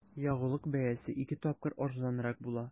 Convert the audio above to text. Ягулык бәясе ике тапкыр арзанрак була.